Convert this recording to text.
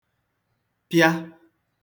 pịa